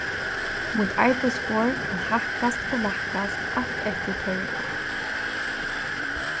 mítt arbeiðsborð kann hækkast og lækkast alt eftir tørvi